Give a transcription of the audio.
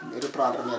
reprendre mais